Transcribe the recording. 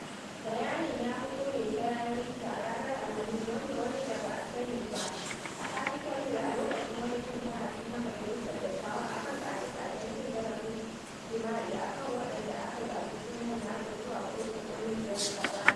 Bayanin ya fito ne ta yanar gizo a ranar Alhamis, wanda wani da ba a sani ba a Capitol Hill a lokacin wani jin bahasi na Majalisar Dattawan a kan ƙage-ƙagen cin zarafin jima'i a kan wanda aka zaɓi sunan nasa zuwa Kotun Kolin Brett Kavanaugh.